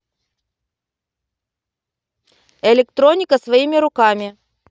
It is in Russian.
электроника своими руками